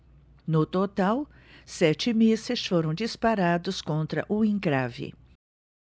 no total sete mísseis foram disparados contra o encrave